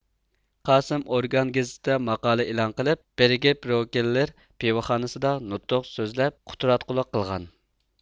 قاسىم ئورگان گېزىتىدە ماقالە ئېلان قىلىپ بېرگېبروكېللېر پىۋىخانسىدا نۇتۇق سۆزلەپ قۇتراتقۇلۇق قىلغان